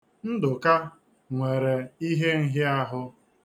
Nduka nwere ihe nhịaahụ.